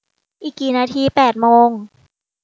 อีกกี่นาทีแปดโมง